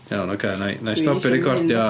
Iawn, oce, wna i wna i stopio recordio.